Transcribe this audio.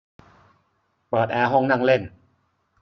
เปิดแอร์ห้องนั่งเล่น